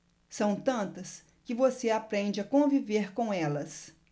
são tantas que você aprende a conviver com elas